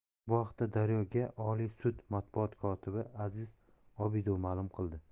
bu haqda daryo ga oliy sud matbuot kotibi aziz obidov ma'lum qildi